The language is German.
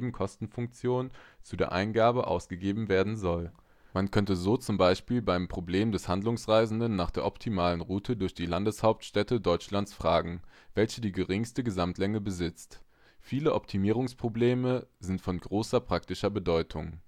Kostenfunktion zu der Eingabe ausgegeben werden soll. Man könnte so zum Beispiel beim Problem des Handlungsreisenden nach der optimalen Route durch die Landeshauptstädte Deutschlands fragen, welche die geringste Gesamtlänge besitzt. Viele Optimierungsprobleme sind von großer praktischer Bedeutung